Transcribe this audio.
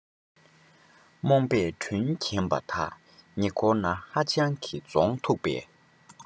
རྨོངས པས འདྲུལ གྱིན པ དག ཉེ འཁོར ན ཧ ཅང གི རྫོང མཐུག པས